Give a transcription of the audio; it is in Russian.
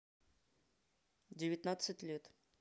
девятнадцать лет